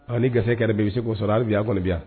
A gese kɛra bɛ bɛ se ko sɔrɔ abi yan kɔnɔbi yan